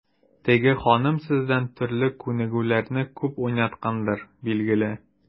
Теге ханым сездән төрле күнегүләрне күп уйнаткандыр, билгеле.